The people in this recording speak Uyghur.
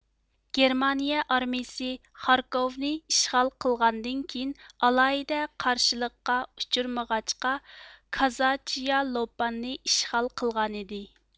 گېرمانىيە ئارمىيىسى خاركوۋنى ئىشغال قىلغاندىن كېيىن ئالاھىدە قارشىلىققا ئۇچرىمىغاچقا كازاچيالوپاننى ئىشغال قىلغانىدى